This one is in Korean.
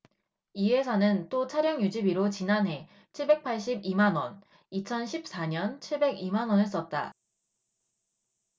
이 회사는 또 차량유지비로 지난해 칠백 팔십 이 만원 이천 십 사 년 칠백 이 만원을 썼다